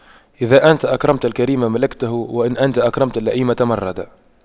إذا أنت أكرمت الكريم ملكته وإن أنت أكرمت اللئيم تمردا